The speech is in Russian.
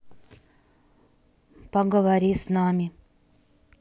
поговори с нами